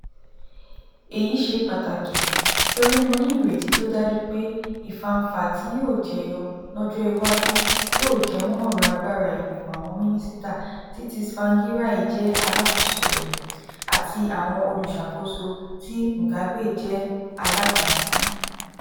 Èyí ṣe pàtàkì torí mo ní ìrètí tó dájú pé ìfaǹfà tí yòó jẹyọ lọ́jọ́ iwájú yóò jẹ mọ́ ọ̀rọ̀ agbára ìgbimọ̀ àwọn mínísítà tí Tsvangirai jẹ́ alákoso rẹ̀, àti àwọn olùṣakoso tí Mugabe jẹ́ alága fún.